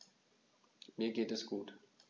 Mir geht es gut.